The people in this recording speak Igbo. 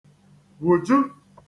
wụ̀ju